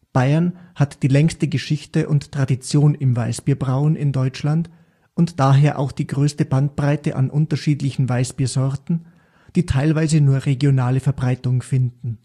Bayern hat die längste Geschichte und Tradition im Weißbierbrauen in Deutschland und daher auch die größte Bandbreite an unterschiedlichen Weißbiersorten, die teilweise nur regionale Verbreitung finden